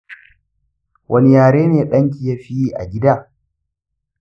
wani yare ne danki yafi yi a gida?